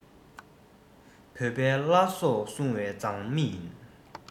བོད པའི བླ སྲོག སྲུང བའི མཛངས མི ཡིན